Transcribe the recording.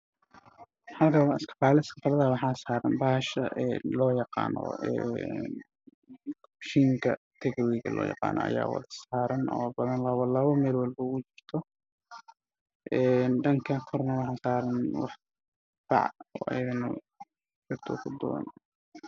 Waa meel dukaan waxaa lagu iibinayaa kabooyin niman oo fara badan oo meel saaran